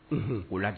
Un o la